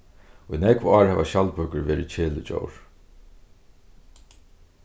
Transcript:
í nógv ár hava skjaldbøkur verið kelidjór